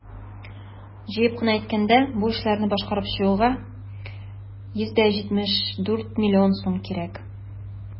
Җыеп кына әйткәндә, бу эшләрне башкарып чыгуга 174 млн сум кирәк.